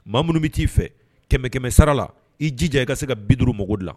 Maa minnu bɛ t'i fɛ kɛmɛ kɛmɛmɛ sarala i jija i ka se ka binuru mako dilan